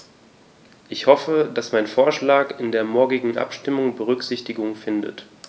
Ich hoffe, dass mein Vorschlag in der morgigen Abstimmung Berücksichtigung findet.